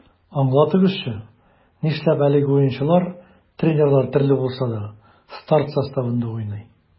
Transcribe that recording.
Аңлатыгызчы, нишләп әлеге уенчылар, тренерлар төрле булса да, старт составында уйный?